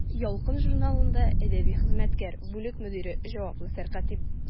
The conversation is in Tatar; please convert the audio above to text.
«ялкын» журналында әдәби хезмәткәр, бүлек мөдире, җаваплы сәркәтиб.